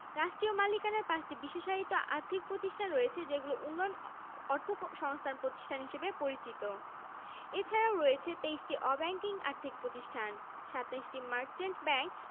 দেশের বাইরে থেকে ভূ পৃষ্ঠস্থ জলপ্রবাহ অনুপ্রবেশের পরিমাণ বৎসরের বিভিন্ন সময়ে বিভিন্ন হয়ে থাকে সারা বৎসরের সর্বোচ্চ প্রবাহ থাকে আগস্ট মাসে